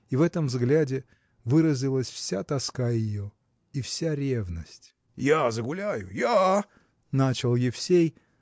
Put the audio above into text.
И в этом взгляде выразилась вся тоска ее и вся ревность. – Я загуляю, я? – начал Евсей.